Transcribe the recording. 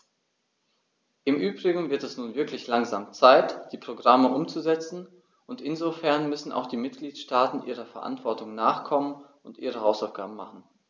Im übrigen wird es nun wirklich langsam Zeit, die Programme umzusetzen, und insofern müssen auch die Mitgliedstaaten ihrer Verantwortung nachkommen und ihre Hausaufgaben machen.